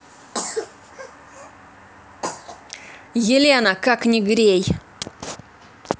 елена как не грей